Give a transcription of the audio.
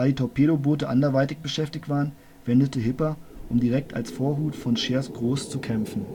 Torpedoboote anderweitig beschäftigt waren, wendete Hipper, um direkt als Vorhut von Scheers Gros zu kämpfen